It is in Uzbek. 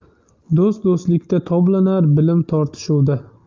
do'st do'stlikda toblanar bilim tortishuvda